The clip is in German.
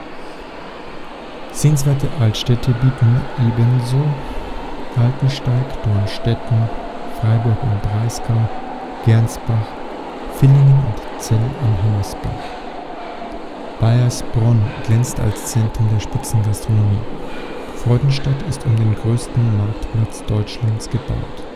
Sehenswerte Altstädte bieten ebenso Altensteig, Dornstetten, Freiburg im Breisgau, Gernsbach, Villingen und Zell am Harmersbach. Baiersbronn glänzt als Zentrum der Spitzengastronomie, Freudenstadt ist um den größten Marktplatz Deutschlands gebaut